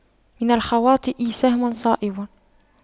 من الخواطئ سهم صائب